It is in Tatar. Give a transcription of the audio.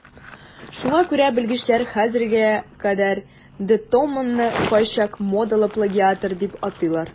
Шуңа күрә белгечләр хәзергә кадәр де Томонны кайчак модалы плагиатор дип атыйлар.